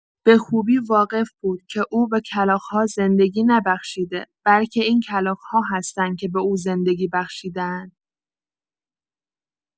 به‌خوبی واقف بود که او به کلاغ‌ها زندگی نبخشیده، بلکه این کلاغ‌ها هستند که به او زندگی بخشیده‌اند.